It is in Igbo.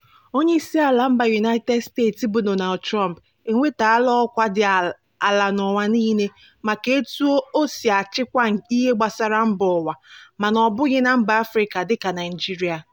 Onyeisiala mba United States bụ Donald Trump enwetala ọkwa dị ala n'ụwa niile maka etu o si achịkwa ihe gbasara mba ụwa — mana ọ bụghị na mba Afrịka dịka Naịjirịa.